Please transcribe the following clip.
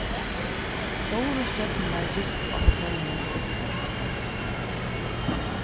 stóru stjørnurnar gistu á hotellinum í bygdini